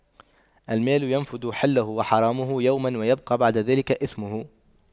المال ينفد حله وحرامه يوماً ويبقى بعد ذلك إثمه